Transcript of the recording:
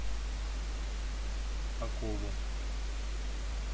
акулу